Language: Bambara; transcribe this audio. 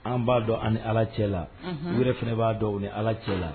An b'a dɔn an ni ala cɛ la wɛrɛ fana b'a dɔn ni ala cɛ la